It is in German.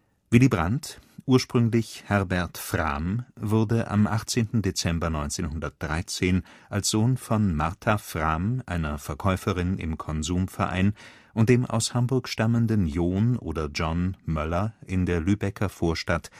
Willy Brandt, ursprünglich Herbert Frahm, wurde am 18. Dezember 1913 als Sohn von Martha Frahm, einer Verkäuferin im Konsumverein, und dem aus Hamburg stammenden John Möller in der Lübecker Vorstadt